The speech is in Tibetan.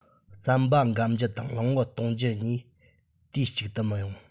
རྩམ པ འགམ རྒྱུ དང གླིང བུ གཏོང རྒྱུ གཉིས དུས གཅིག ཏུ མི ཡོང